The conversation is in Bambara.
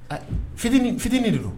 Fitini fitini de do.